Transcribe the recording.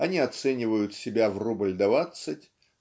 они оценивают себя в рубль двадцать